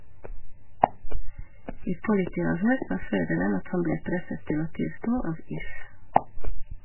I politiavhør sa føreren at han ble presset til å tilstå av If.